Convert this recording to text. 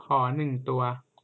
ขอหนึ่งตัว